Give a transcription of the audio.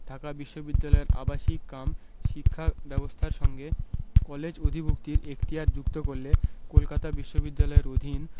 ঢাকা বিশ্ববিদ্যালয়ের আবাসিক কাম শিক্ষা ব্যবস্থার সঙ্গে কলেজ অধিভুক্তির এখতিয়ার যুক্ত করলে কলকাতা বিশ্ববিদ্যালয়ের অধীন